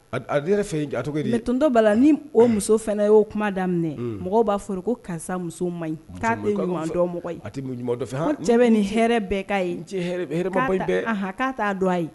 A d a d yɛrɛ fɛ ye ja tɔgɔ ye di mais tonton Bala ni o muso fɛnɛ ye oo kuma daminɛ unhun mɔgɔw b'a fɔ de ko karisa muso maɲi ka be ɲuman dɔn mɔgɔ ye a ti mun ɲuman dɔn fɛn ko cɛ bɛ ni hɛrɛ bɛɛ k'a ye n cɛ hɛrɛ m hɛrɛmaba in bɛɛ anhan k'a t'a dɔn a ye